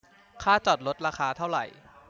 ค่าจอดรถราคาเท่าไหร่